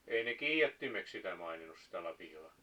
ei ne kiidättimeksi sitä maininnut sitä lapiota